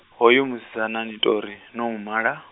hoyu musidzana ni ṱori, no mumala.